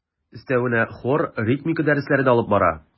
Өстәвенә хор, ритмика дәресләре дә алып бара.